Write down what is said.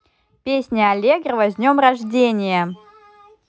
песня аллегрова с днем рождения